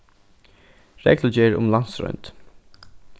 reglugerð um landsroynd